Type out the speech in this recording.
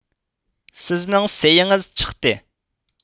سىزنىڭ سېيىڭىز چىقىتى